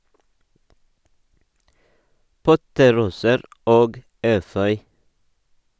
Potteroser og eføy.